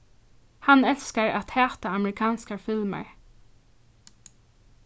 hann elskar at hata amerikanskar filmar